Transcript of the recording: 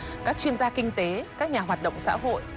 các chuyên gia kinh tế các nhà hoạt động xã hội